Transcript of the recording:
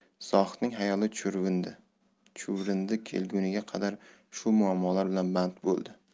zohidning xayoli chuvrindi kelguniga qadar shu muammolar bilan band bo'ldi